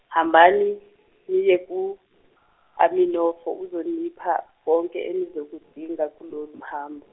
hambani niye ku Aminofo uzonipha konke enizokudinga kulolu hambo.